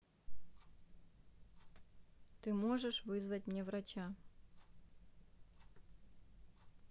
ты можешь вызвать мне врача